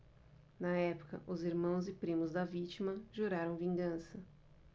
na época os irmãos e primos da vítima juraram vingança